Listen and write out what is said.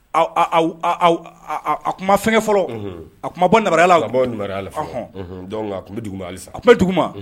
Aw a kuma fɛn fɔlɔ a kuma bɔ nararuyala laruya ala hɔn a tun bɛ duguuma halisa a tun bɛ dugu ma